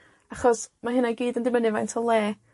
achos ma' hynna i gyd yn dibynnu faint o le